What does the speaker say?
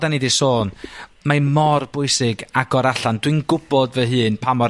'dan ni 'di sôn, mae mor bwysig agor allan. Dwi'n gwbod fy hun pa mor